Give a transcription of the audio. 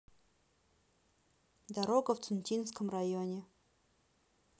дорога в цунтинском районе